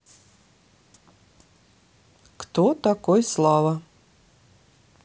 кто такой слава